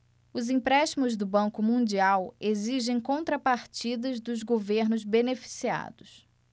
os empréstimos do banco mundial exigem contrapartidas dos governos beneficiados